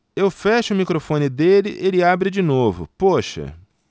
eu fecho o microfone dele ele abre de novo poxa